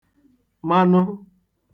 manụ